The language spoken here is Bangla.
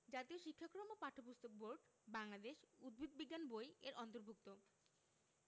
জাতীয় শিক্ষাক্রম ও পাঠ্যপুস্তক বোর্ড বাংলাদেশ উদ্ভিদ বিজ্ঞান বই এর অন্তর্ভুক্ত